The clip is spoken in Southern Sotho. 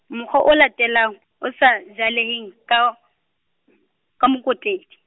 mokgwa o latelang, o sa, jaleheng, ka , ka Mokotedi.